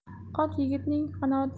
ot yigitning qanoti